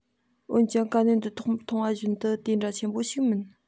འོན ཀྱང དཀའ གནད འདི ཐོག མར མཐོང བ བཞིན དུ དེ འདྲ ཆེན པོ ཞིག མིན